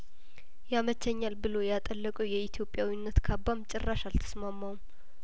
ያመቸኛል ብሎ ያጠለቀው የኢትዮጵያዊነት ካባም ጭራሽ አልተስማማውም